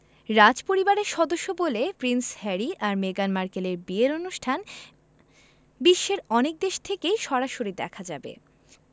রাজপরিবারের সদস্য বলে প্রিন্স হ্যারি আর মেগান মার্কেলের বিয়ের অনুষ্ঠান বিশ্বের অনেক দেশ থেকেই সরাসরি দেখা যাবে